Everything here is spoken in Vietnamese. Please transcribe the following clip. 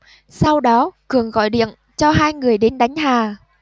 sau đó cường gọi điện cho hai người đến đánh hà